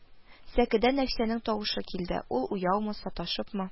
Сәкедән Нәфисәнең тавышы килде, ул уяумы, саташыпмы: